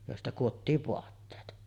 joista kudottiin vaatteet